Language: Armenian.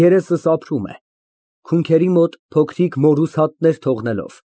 Երեսը սափրում է, քունքերի մոտ փոքրիկ մորուսհատներ թողնելով։